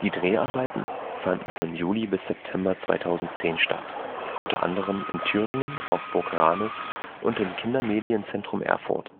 Dreharbeiten fanden von Juli bis September 2010 statt, unter anderem in Thüringen auf Burg Ranis und im Kindermedienzentrum Erfurt